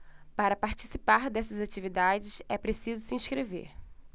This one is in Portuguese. para participar dessas atividades é preciso se inscrever